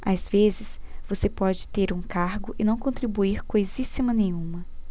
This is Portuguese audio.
às vezes você pode ter um cargo e não contribuir coisíssima nenhuma